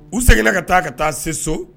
U seginna ka taa ka taa se so